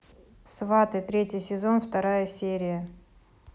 сваты третий сезон вторая серия